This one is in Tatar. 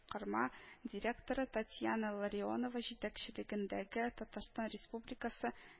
Карма директоры татьяна ларионова җитәкчелегендәге татарстан республикасы